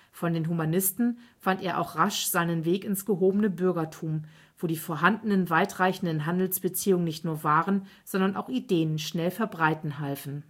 Von den Humanisten fand er auch rasch seinen Weg ins gehobene Bürgertum, wo die vorhandenen weitreichenden Handelsbeziehungen nicht nur Waren, sondern auch Ideen schnell verbreiten halfen